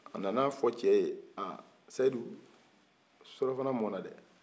a nana fɔ cɛ ye a ko seyidu surafana mɔnan dɛ